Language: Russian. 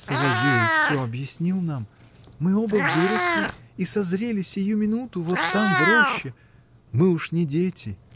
— Соловей всё объяснил нам: мы оба выросли и созрели сию минуту, вот там, в роще. Мы уж не дети.